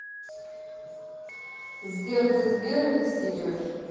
сбер ты сбер или сири